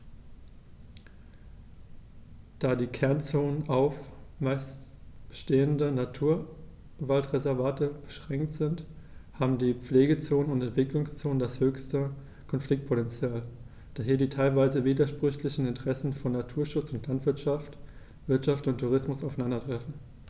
Da die Kernzonen auf – zumeist bestehende – Naturwaldreservate beschränkt sind, haben die Pflegezonen und Entwicklungszonen das höchste Konfliktpotential, da hier die teilweise widersprüchlichen Interessen von Naturschutz und Landwirtschaft, Wirtschaft und Tourismus aufeinandertreffen.